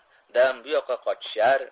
dam bu yoqqa qochishar